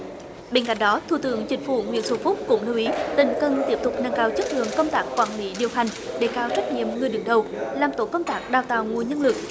bên cạnh đó thủ tướng chính phủ nguyễn xuân phúc cũng lưu ý tỉnh cần tiếp tục nâng cao chất lượng công tác quản lý điều hành đề cao trách nhiệm người đứng đầu làm tốt công tác đào tạo nguồn nhân lực